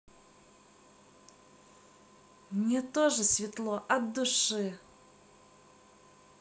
мне тоже светло от души